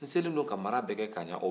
n selen don ka mara bɛɛ kɛ ka ɲɛ